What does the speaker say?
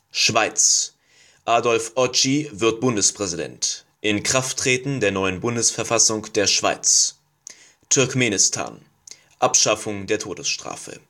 Schweiz: Adolf Ogi wird Bundespräsident. Schweiz: Inkrafttreten der neuen Bundesverfassung der Schweiz. Turkmenistan: Abschaffung der Todesstrafe